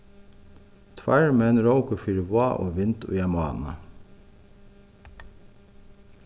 tveir menn róku fyri vág og vind í ein mánað